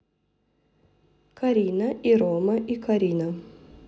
карина и рома и карина